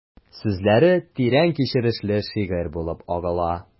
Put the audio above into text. Сүзләре тирән кичерешле шигырь булып агыла...